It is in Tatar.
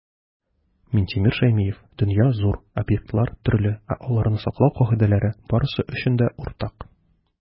Минтимер Шәймиев: "Дөнья - зур, объектлар - төрле, ә аларны саклау кагыйдәләре - барысы өчен дә уртак".